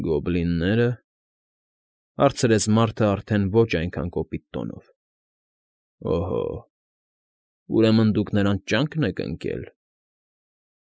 Գո֊ոբլիննե՞րը,֊ հարցրեց մարդը արդեն ոչ այնքան կոպիտ տոնով։֊ Օհո՜, ուրեմն, դուք նրանց ճա՞նկն եք ընկել։